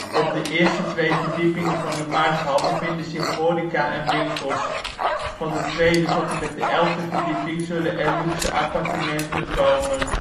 Op de eerste twee verdiepingen van de markthal bevinden zich horeca en winkels. Van de tweede verdieping tot de elfde verdieping zullen er luxe appartementen komen